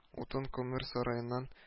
Утын-күмер сараеннан